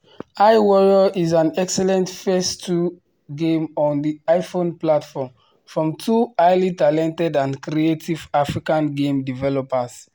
iWarrior is an excellent first game on the iPhone platform from two highly talented and creative African game developers.